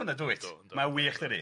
Mae'n wych dydi?